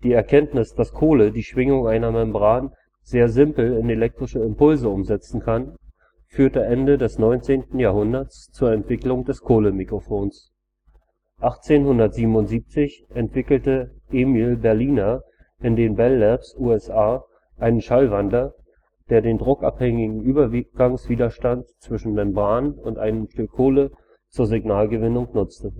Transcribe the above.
Erkenntnis, dass Kohle die Schwingung einer Membran sehr simpel in elektrische Impulse umsetzen kann, führte Ende des 19. Jahrhunderts zur Entwicklung des Kohlemikrofons. 1877 entwickelte Emil Berliner in den Bell Labs, USA, einen Schallwandler, der den druckabhängigen Übergangswiderstand zwischen Membran und einem Stück Kohle zur Signalgewinnung nutzte